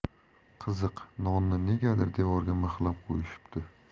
qiziq nonni negadir devorga mixlab qo'yishibdi